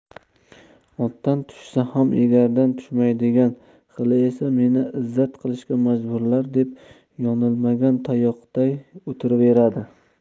otdan tushsa ham egardan tushmaydigan xili esa meni izzat qilishga majburlar deb yo'nilmagan tayoqday o'tiraveradi